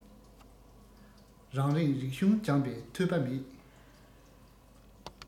རང རིགས རིག གཞུང སྦྱངས པའི ཐོས པ མེད